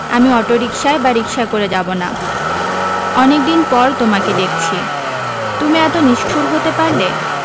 আমি অটোরিক্সায় বা রিক্সায় করে যাবো না অনেক দিন পর তোমাকে দেখছি তুমি এতো নিষ্ঠুর হতে পারলে